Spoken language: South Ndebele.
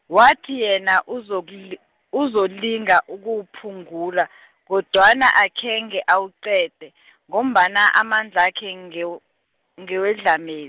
wathi yena uzokl- uzolinga ukuwuphungula , kodwana akhenge awuqede , ngombana amandlakhe ngew-, ngewedlame-.